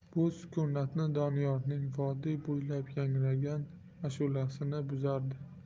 bu sukunatni doniyorning vodiy bo'ylab yangragan ashulasigina buzardi